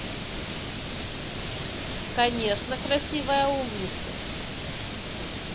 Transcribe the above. конечно красивая умница